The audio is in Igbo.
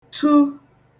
tu